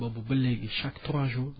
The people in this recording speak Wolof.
boobu ba léegi chaque trois jours